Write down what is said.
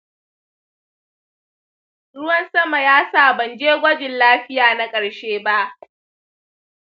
ruwan sama ya sa ban je gwajin lafiya na ƙarshe ba.